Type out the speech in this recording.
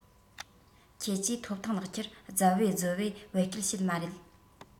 ཁྱེད ཀྱིས ཐོབ ཐང ལག ཁྱེར རྫབ བེ རྫོབ བེ བེད སྤྱོད བྱེད མ རེད